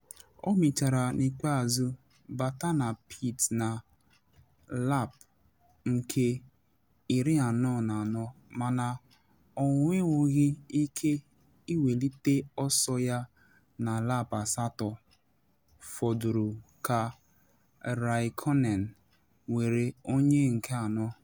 Ọ mechara n’ikpeazụ bata na pit na lap nke 44 mana ọ nwenwughi ike iwelite ọsọ ya na lap asatọ fọdụrụ ka Raikkonen were onye nke anọ.